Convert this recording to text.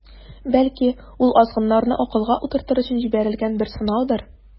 Бәлки, ул азгыннарны акылга утыртыр өчен җибәрелгән бер сынаудыр.